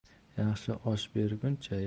yaxshi osh berguncha